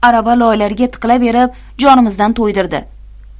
arava loylarga tiqilaverib jonimizdan to'ydirdi